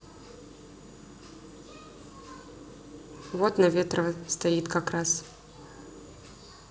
вот на ветрова стоит как раз